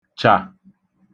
chà